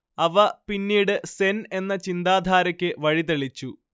അവ പിന്നീട് സെൻ എന്ന ചിന്താധാരക്ക് വഴിതെളിച്ചു